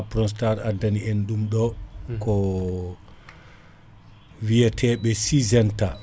Aprostar andani hen ɗum ɗo ko wiyaateɓe sygenta